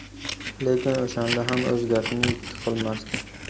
lekin o'shanda ham o'z gapini ikki qilmasdi